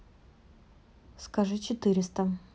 скажи четыреста